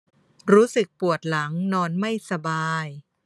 รู้สึกปวดหลังนอนไม่สบาย